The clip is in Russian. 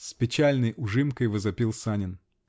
-- с печальной ужимкой возопил Санин.